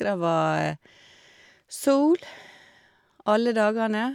Det var sol alle dagene.